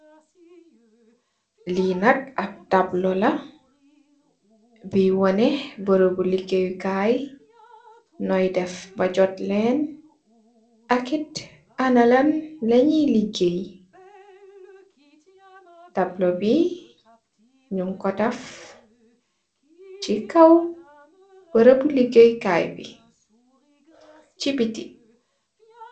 Lii nak, ab tabla la buy wane bërëbu ligeeyee kaay, ñooy def ba jotleen, ak tamit, ana la lañuy ligeey. Tabla bi ñuñg ko taf ci kow barabu ligeeyee kaay bi ci bitti.